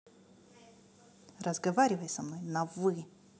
разговаривай со мной на вы